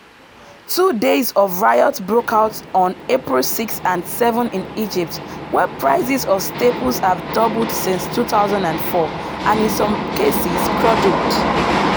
Two days of riots broke out on April 6 and 7 in Egypt, where prices of staples have doubled since 2004 (and in some cases quadrupled).